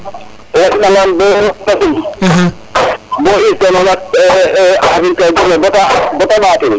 *